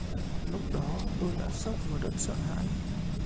lúc đó tôi đã sốc và rất sợ hãi